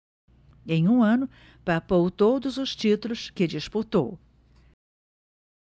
em um ano papou todos os títulos que disputou